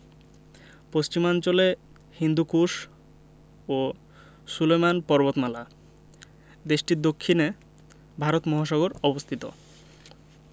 আসাম পশ্চিমাঞ্চলে হিন্দুকুশ ও সুলেমান পর্বতমালা দেশটির দক্ষিণে ভারত মহাসাগর অবস্থিত